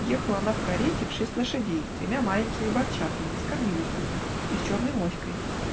-- ехала она в карете в шесть лошадей, с тремя маленькими барчатами и с кормилицей, и с черной моською